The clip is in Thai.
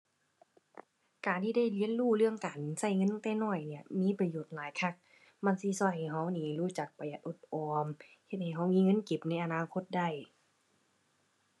การที่ได้เรียนรู้เรื่องการใช้เงินแต่น้อยเนี่ยมีประโยชน์หลายคัก มันสิใช้ให้ใช้นี่รู้จักประหยัดอดออม เฮ็ดให้ใช้มีเงินเก็บในอนาคตได้